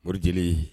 Morijeli